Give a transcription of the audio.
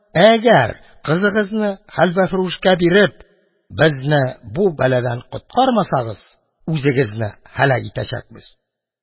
Әгәр кызыгызны хәлвәфрүшкә биреп, безне бу бәладән коткармасагыз, үзегезне һәлак итәчәкбез…